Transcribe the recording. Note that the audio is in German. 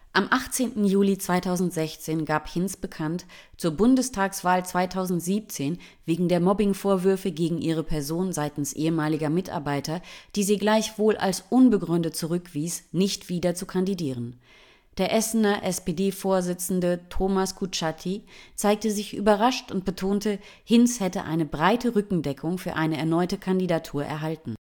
18. Juli 2016 gab Hinz bekannt, zur Bundestagswahl 2017 wegen der Mobbingvorwürfe gegen ihre Person seitens ehemaliger Mitarbeiter, die sie gleichwohl als unbegründet zurückwies, nicht wieder zu kandidieren. Der Essener SPD-Vorsitzende Thomas Kutschaty zeigte sich überrascht und betonte, Hinz hätte eine „ breite Rückendeckung für eine erneute Kandidatur erhalten